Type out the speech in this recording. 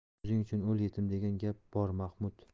o'zing uchun o'l yetim degan gap bor mahmud